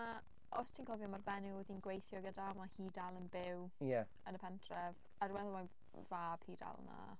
A os ti'n cofio, mae'r fenyw oedd hi'n gweithio gyda ma' hi dal yn byw... ie... yn y pentref, a dwi'n meddwl mae ei mab hi dal yna.